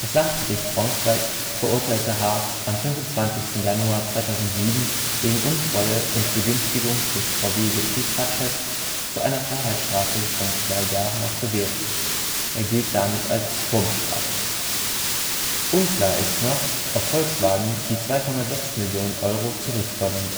Landgericht Braunschweig verurteilte Hartz am 25. Januar 2007 wegen Untreue und Begünstigung des VW-Betriebsratschefs zu einer Freiheitsstrafe von zwei Jahren auf Bewährung. Er gilt damit als vorbestraft. Unklar ist noch, ob Volkswagen die 2,6 Millionen Euro zurückfordern